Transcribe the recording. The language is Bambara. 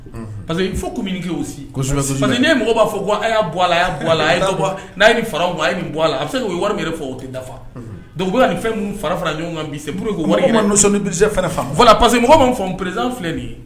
Pa que fo kɛ si mɔgɔ b'a fɔ ye a a bɛ se wari fɔ o tɛ nafa dɔnku ka fɛn fara fara parce mɔgɔ min fɔ n perez filɛ nin ye